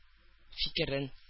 Фикерен